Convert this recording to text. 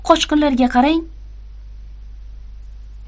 qochqinlarga qarang